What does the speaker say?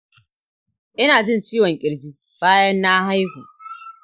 inajin ciwon ƙirji bayan na haihu